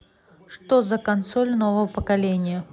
что за консоли нового поколения